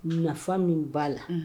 Nafa min b'a la